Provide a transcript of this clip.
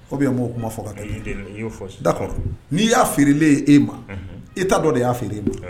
Kobi yan mɔgɔw o kuma fɔ ka taa da n'i y'a feerelen ye e ma e ta dɔ de y'a feere don